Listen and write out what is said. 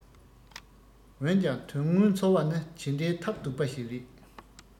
འོན ཀྱང དོན དངོས འཚོ བ ནི ཇི འདྲའི ཐབས སྡུག པ ཞིག རེད